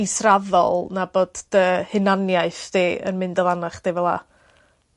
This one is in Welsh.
israddol na bod dy hunaniaeth di yn mynd di fel 'a.